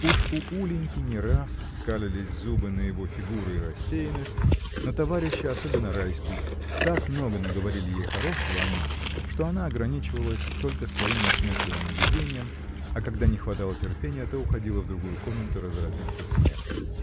Уж у Улиньки не раз скалились зубы на его фигуру и рассеянность, но товарищи, особенно Райский, так много наговорили ей хорошего о нем, что она ограничивалась только своим насмешливым наблюдением, а когда не хватало терпения, то уходила в другую комнату разразиться смехом.